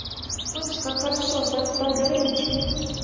вспыш как хорошо сет стал говорить